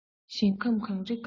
ཞིང ཁམས གངས རི དཀར པོ